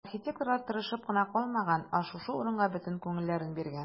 Архитекторлар тырышып кына калмаган, ә шушы урынга бөтен күңелләрен биргән.